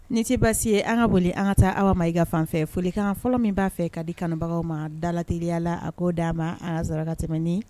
Ni tɛ basi ye an ka boli an ka taa aw ma i ka fanfɛ folikan fɔlɔ min b'a fɛ ka di kanubagaw ma dalaeliya la a k koo d di a ma an sarakaraka tɛmɛnen